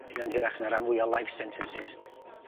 Ma' hynna'n hirach na ran mwya life sentences.